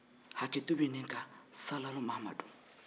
hakɛto be nin kan